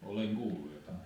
olen kuullut jotakin